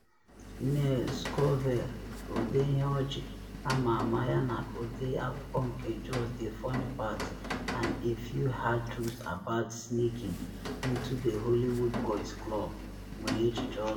Nell Scovell, ọdee ihe ọchị ama ama yana ọdee akwụkwọ nke “Just the Funny Parts: And a Few Hard Truths About Sneaking Into the Hollywood Boys" Club," nwere echiche ọzọ.